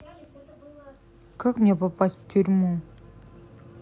как мне попасть в тюрьму